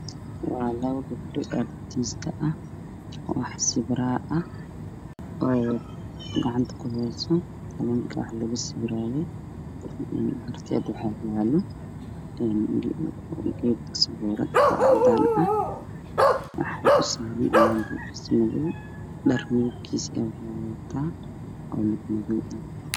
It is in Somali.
Meeshaan oo meel wax lagu sawiro waxaa fadhiya oo gabdhood oo wata xijaab midow iyo qaxwi